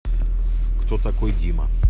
кто такой дима